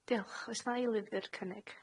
Diolch. Oes 'na eilydd i'r cynnig?